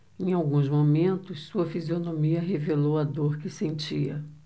em alguns momentos sua fisionomia revelou a dor que sentia